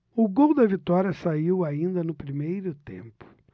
o gol da vitória saiu ainda no primeiro tempo